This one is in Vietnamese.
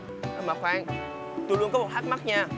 ơ mà khoan tui luôn có một thắc mắc nha